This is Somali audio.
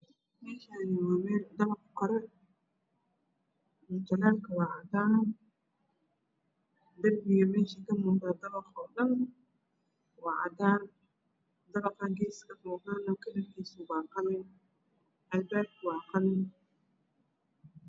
Meeshaani waa meel dabaq kore mutuleel ka waa cadaan darbiga meesha ka muuqda waa cadaan dabaqa geeska ka muuqda kalarkiisa waa qalin albaabka waa qalin